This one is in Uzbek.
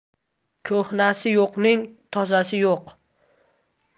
ko'hnasi yo'qning tozasi yo'q